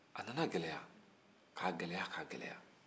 a nana gɛlɛya k'a gɛlɛya k'a gɛlɛya